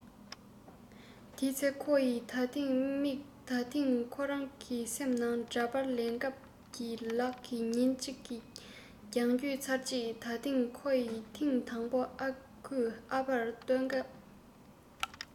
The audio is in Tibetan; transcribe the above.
དེའི ཚེ ཁོ ཡི ད ཐེངས དམིགས ད ཐེངས ཁོ རང གི སེམས ནང འདྲ པར ལེན སྐབས ཀྱི ལག གི ཉིན གཅིག གི རྒྱང བསྐྱོད ཚར རྗེས ད ཐེངས ཁོ ཡི ཐེངས དང པོ ཨ ཁུས ཨ ཕར བཏོན སྐབས